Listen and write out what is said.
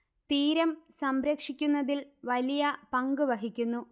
തീരം സംരക്ഷിക്കുന്നതിൽ വലിയ പങ്ക് വഹിക്കുന്നു